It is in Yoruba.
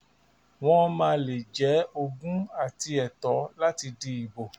Wọ́n máa lè jẹ ogún àti ẹ̀tọ́ láti di ìbò.